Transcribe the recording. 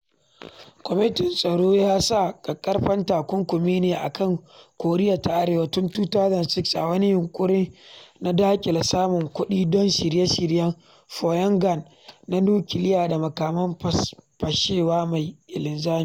Kwamitin Tsaro ya sa ƙarfafan takunkumi ne a kan Koriya ta Arewa tun 2006 a wani yinƙuri na daƙile samun kuɗi don shirye-shiryen Pyongyang na nukiliya da makamin fashewa mai linzami.